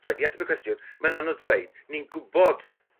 Reit i ateb y cwestiwn mae'n anodd dweud. Ni'n gwybod